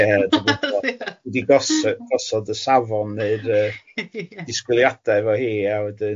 Dwi di gosod gosod y safon neu'r yy.. Ie ie. ...disgwyliadau efo hi a wedyn,